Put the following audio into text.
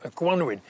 y Gwanwyn